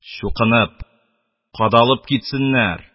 Чукынып, кадалып китсеннәр